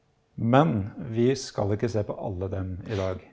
men vi skal ikke se på alle dem i dag.